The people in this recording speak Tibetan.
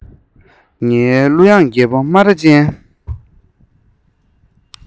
ངའི གླུ དབྱངས རྒད པོ སྨ ར ཅན